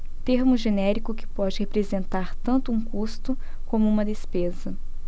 termo genérico que pode representar tanto um custo como uma despesa